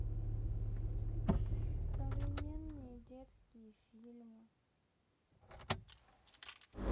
современные детские фильмы